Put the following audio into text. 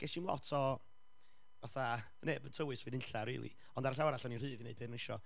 Ges i'm lot o, fatha neb yn tywys fi nunlla rili, ond, ar y llaw arall o 'n i'n rhydd i wneud be o'n i isio.